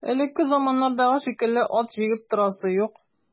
Элекке заманнардагы шикелле ат җигеп торасы юк.